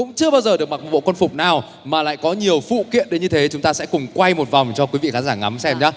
cũng chưa bao giờ được mặc bộ quân phục nào mà lại có nhiều phụ kiện đến như thế chúng ta sẽ cùng quay một vòng cho quý vị khán giả ngắm xem nhớ